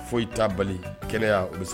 Foyi ta bali kɛnɛya y' u bɛ